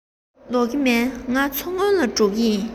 ལོག གི མིན ང མཚོ སྔོན ལ འགྲོ མཁན ཡིན